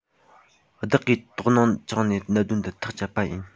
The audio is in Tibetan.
བདག གིས དོགས སྣང བཅངས ནས གནད དོན འདི ཐག བཅད པ ཡིན